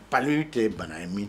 Pa tɛ bana ye min